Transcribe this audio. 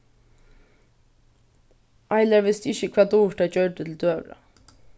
eiler visti ikki hvat durita gjørdi til døgurða